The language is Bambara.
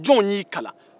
jɔn y'i kalan